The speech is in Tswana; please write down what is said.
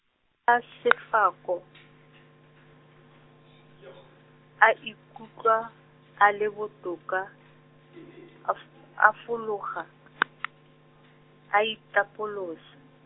fa Sefako , a ikutlwa, a le botoka , a f- a fologa , a itapolose.